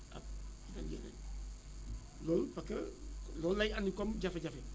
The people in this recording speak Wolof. ak ak yeneen loolu parce que loolu lay andi comme jafe-jafe